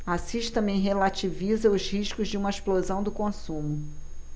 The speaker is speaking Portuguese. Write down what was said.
assis também relativiza os riscos de uma explosão do consumo